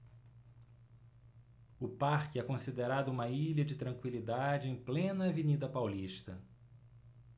o parque é considerado uma ilha de tranquilidade em plena avenida paulista